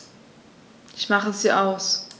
Ich mache sie aus.